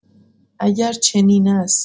اگر چنین است